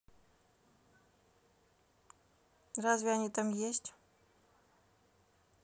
разве они там есть